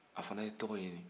a fana ye tɔgɔ ɲini